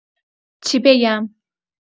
چی بگم